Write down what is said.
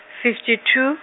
fifty two.